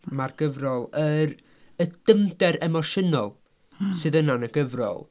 Mae'r gyfrol yr y dyfnder emosiynol sydd yna yn y gyfrol.